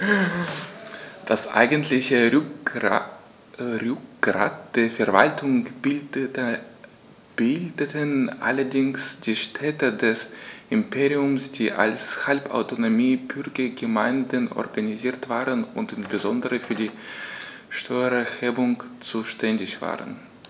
Das eigentliche Rückgrat der Verwaltung bildeten allerdings die Städte des Imperiums, die als halbautonome Bürgergemeinden organisiert waren und insbesondere für die Steuererhebung zuständig waren.